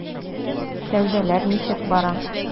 Сәүдәләр ничек бара?